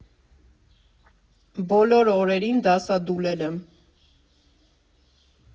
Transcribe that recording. Բոլոր օրերին դասադուլել եմ.